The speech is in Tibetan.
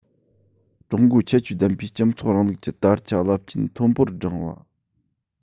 ཀྲུང གོའི ཁྱད ཆོས ལྡན པའི སྤྱི ཚོགས རིང ལུགས ཀྱི དར ཆ རླབས ཆེན མཐོན པོར བསྒྲེངས བ